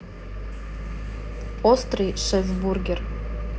острый шефбургер